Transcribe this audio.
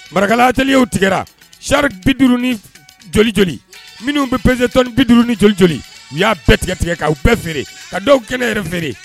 Marakaeliw tigɛ siri bi duuru nij minnu bɛ bɛnz 1 bi duuru ni jolijni y'a bɛɛ tigɛ tigɛ'aw bɛɛ feere ka dɔw kɛnɛ yɛrɛ feere